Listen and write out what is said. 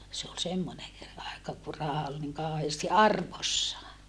se oli semmoinen aika kun raha oli niin kauheasti arvossaan